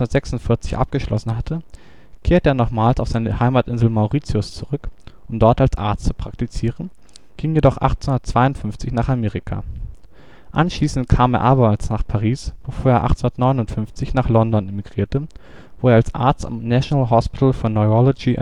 1846 abgeschlossen hatte, kehrte er nochmals auf seine Heimatinsel Mauritius zurück, um dort als Arzt zu praktizieren, ging jedoch 1852 nach Amerika. Anschließend kam er abermals nach Paris, bevor er 1859 nach London emigrierte, wo er als Arzt am National Hospital for Neurology